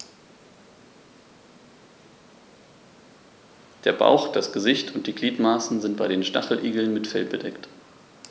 Der Bauch, das Gesicht und die Gliedmaßen sind bei den Stacheligeln mit Fell bedeckt.